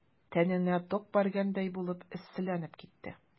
Тәненә ток бәргәндәй булып эсселәнеп китте.